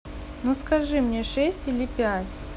ну скажи мне шесть или пять